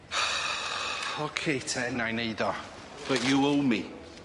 Ocê te na'i neud o. But you owe me.